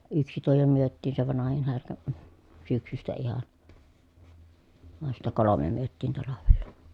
yksi tuo jo myytiin se vanhin härkä - syksystä ihan vaan sitten kolme myytiin talvella